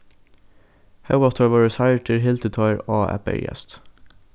hóast teir vóru særdir hildu teir á at berjast